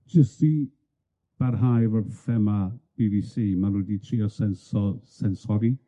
Jyst i barhau efo'r thema Bee Bee See, ma' nw 'di trio senso- sensori.